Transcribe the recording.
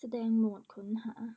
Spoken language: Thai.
แสดงโหมดค้นหา